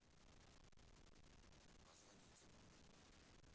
позвоните